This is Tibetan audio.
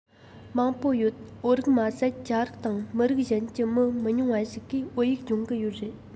མང པོ ཡོད བོད རིགས མ ཟད རྒྱ རིགས དང མི རིགས གཞན གྱི མི མི ཉུང བ ཞིག གིས བོད ཡིག སྦྱོང གི ཡོད རེད